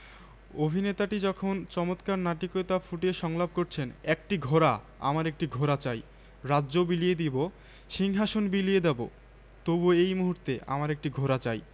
স্বাক্ষর collected from intermediate Bangla Bengali Clinton B Seely